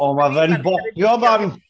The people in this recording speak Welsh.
O mae fe'n bopio bant.